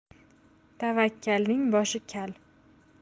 tavakkalning boshi kal